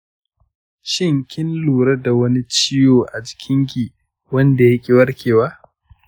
shin kin lura da wani ciwo a jikinki wanda yaki warkewa?